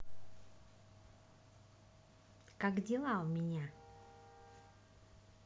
как дела у меня